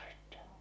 sitten